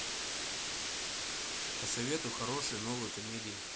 посоветуй хорошие новые комедии